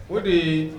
O de ye